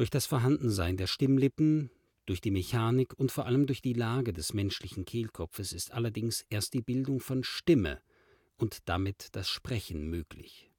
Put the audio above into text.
das Vorhandensein der Stimmlippen, durch die Mechanik und vor allem durch die Lage des menschlichen Kehlkopfes ist allerdings erst die Bildung von " Stimme " und damit das Sprechen möglich